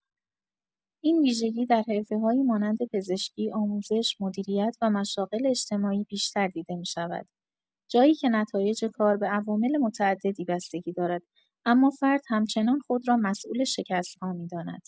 این ویژگی در حرفه‌هایی مانند پزشکی، آموزش، مدیریت و مشاغل اجتماعی بیشتر دیده می‌شود، جایی که نتایج کار به عوامل متعددی بستگی دارد، اما فرد همچنان خود را مسئول شکست‌ها می‌داند.